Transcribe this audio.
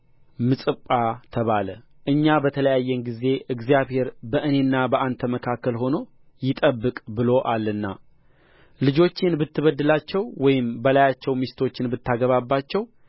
ምጽጳ ተባለ እኛ በተለያየን ጊዜ እግዚአብሔር በእኔና በአንተ መካከል ሆኖ ይጠብቅ ብሎአልና ልጆቼን ብትበድላቸው ወይም በላያቸው ሚስቶችን ብታገባባቸው